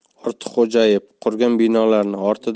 ortiqxo'jayev qurgan binolarni ortidan